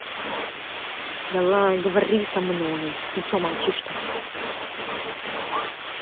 давай говори со мной ты че молчишь то